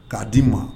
K'a di n ma.